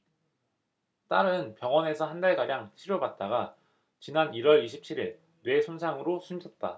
딸은 병원에서 한 달가량 치료받다가 지난 일 월 이십 칠 일 뇌 손상으로 숨졌다